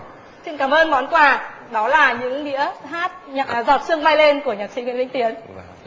xin cảm ơn món quà đó là những đĩa hát nhạc giọt sương bay lên của nhạc sĩ nguyễn vĩnh tiến